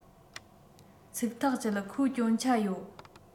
ཚིག ཐག བཅད ཁོས སྐྱོན ཆ ཡོད